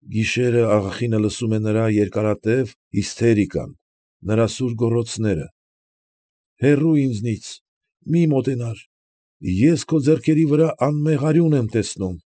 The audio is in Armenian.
Գիշերները աղախինը լսում է նրա երկարատև հիսթերիկան, նրա սուր գոռոցները։ ֊ Հեռո՛ւ ինձնից. Մի մոտենար, ես քո ձեռքերի վրա անմեղ արյուն եմ տեսնում։